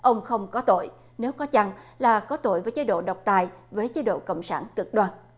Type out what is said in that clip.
ông không có tội nếu có chăng là có tội với chế độ độc tài với chế độ cộng sản cực đoan